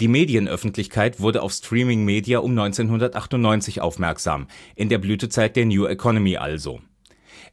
Die Medienöffentlichkeit wurde auf Streaming Media um 1998 aufmerksam, in der Blütezeit der New Economy also.